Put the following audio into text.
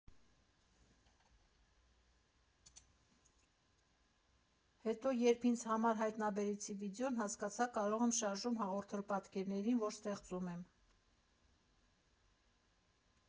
Հետո, երբ ինձ համար հայտնաբերեցի վիդեոն , հասկացա՝ կարող եմ շարժում հաղորդել պատկերներին, որ ստեղծում եմ։